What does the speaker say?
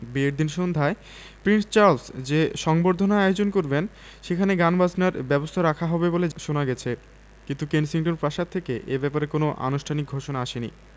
বিয়ের দিন সন্ধ্যায় প্রিন্স চার্লস যে সংবর্ধনার আয়োজন করবেন সেখানে গানবাজনার ব্যবস্থা রাখা হবে বলে শোনা গেছে কিন্তু কেনসিংটন প্রাসাদ থেকে এ ব্যাপারে কোনো আনুষ্ঠানিক ঘোষণা আসেনি